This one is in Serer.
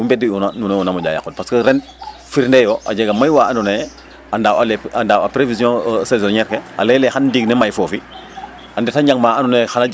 wu mbediuuna nun na moƴa yaqooɗ parce que ren firnde yo a jega mayu wa andoona ye a ndaw'a les prévision saisonniére ke a layel lee xan ndiig ne may foofi a ndet a njang ma andoona yee